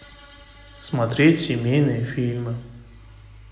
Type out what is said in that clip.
смотреть семейные фильмы